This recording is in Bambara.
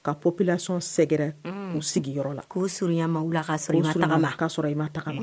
Ka population sɛgɛrɛ u sigiyɔrɔ la k'u surunya maaw la k'a sŋɔrɔ i ma tagama.